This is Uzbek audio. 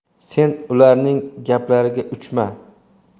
sen ularning gaplariga uchma